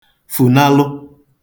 fùnalụ